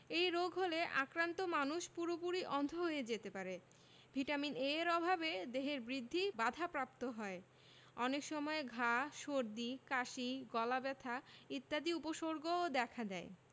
এই রোগ হলে আক্রান্ত মানুষ পুরোপুরি অন্ধ হয়ে যেতে পারে ভিটামিন A এর অভাবে দেহের বৃদ্ধি বাধাপ্রাপ্ত হয় অনেক সময় ঘা সর্দি কাশি গলাব্যথা ইত্যাদি উপসর্গও দেখা দেয়